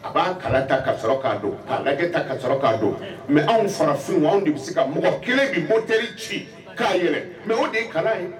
A b'a kala ta ka'a don ta ka ka don mɛ anw fara sun anw de bɛ se ka mɔgɔ kelen bɛ motɛ ci k'a yɛrɛ mɛ o de ye kala ye